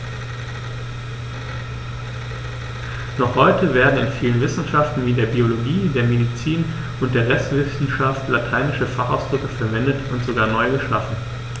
Noch heute werden in vielen Wissenschaften wie der Biologie, der Medizin und der Rechtswissenschaft lateinische Fachausdrücke verwendet und sogar neu geschaffen.